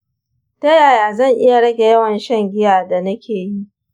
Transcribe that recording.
ta yaya zan iya rage yawan shan giya da nake yi?